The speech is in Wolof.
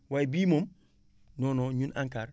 waaye bii moom non non ñun ANCAR